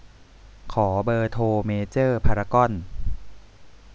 ขอเบอร์โทรเมเจอร์พารากอน